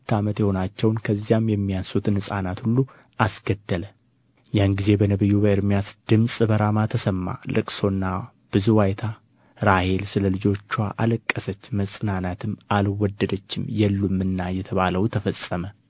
ሁለት ዓመት የሆናቸውን ከዚያም የሚያንሱትን ሕፃናት ሁሉ አስገደለ ያን ጊዜ በነቢዩ በኤርምያስ ድምፅ በራማ ተሰማ ልቅሶና ብዙ ዋይታ ራሔል ስለ ልጆችዋ አለቀሰች መጽናናትም አልወደደችም የሉምና የተባለው ተፈጸመ